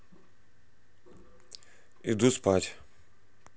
иди спать